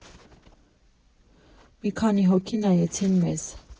Մի քանի հոգի նայեցին մեզ։